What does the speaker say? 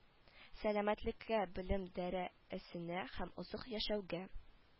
Сәламәтлеккә белем дәрә әсенә һәм озак яшәүгә